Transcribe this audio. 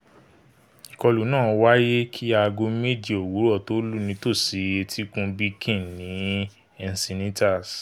Ìkọlù náà wáyé kí aago méje òwúrọ̀ tó lù nítòsí Etíkun Beacon ní Encinitas.